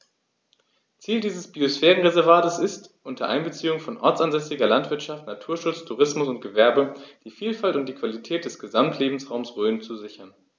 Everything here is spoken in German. Ziel dieses Biosphärenreservates ist, unter Einbeziehung von ortsansässiger Landwirtschaft, Naturschutz, Tourismus und Gewerbe die Vielfalt und die Qualität des Gesamtlebensraumes Rhön zu sichern.